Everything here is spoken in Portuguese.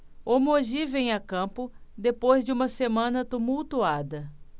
o mogi vem a campo depois de uma semana tumultuada